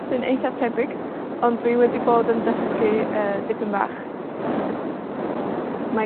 Sy'n eitha tebyg, ond dwi wedi bod yn dysgu yy dipyn bach. Mae